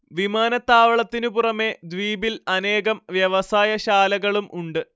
വിമാനത്താവളത്തിനു പുറമേ ദ്വീപിൽ അനേകം വ്യവസായ ശാലകളും ഉണ്ട്